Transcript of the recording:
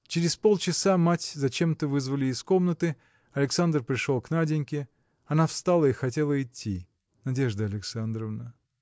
Через полчаса мать зачем-то вызвали из комнаты. Александр пришел к Наденьке. Она встала и хотела идти. – Надежда Александровна!